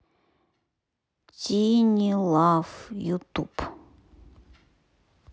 тини лав ютуб